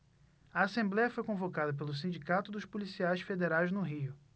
a assembléia foi convocada pelo sindicato dos policiais federais no rio